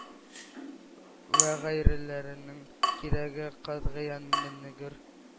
Вә гайреләренең кирәге катгыян мәннегур“